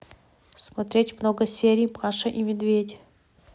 смотреть много серий маша и медведь